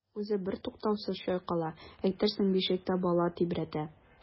Үзе бертуктаусыз чайкала, әйтерсең бишектә бала тибрәтә.